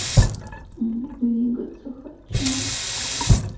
у двигаться хочу